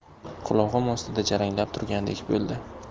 qulog'im ostida jaranglab turgandek bo'ldi